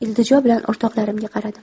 iltijo bilan o'rtoqlarimga qaradim